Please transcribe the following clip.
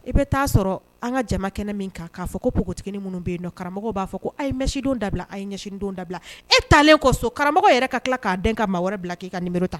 I bɛ taa sɔrɔ an ka jama kɛnɛ min kan k'a fɔ ko npogot minnu bɛ yen karamɔgɔ b'a fɔ ko a ye ɲɛsindon dabila a ye ɲɛsindon dabila e taalen kɔ so karamɔgɔ yɛrɛ ka tila k'a den ka maa wɛrɛ bila k'i ka ni ta